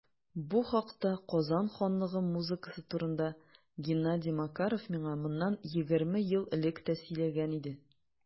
Бу хакта - Казан ханлыгы музыкасы турында - Геннадий Макаров миңа моннан 20 ел элек тә сөйләгән иде.